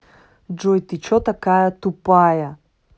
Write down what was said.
джой ты че такая тупая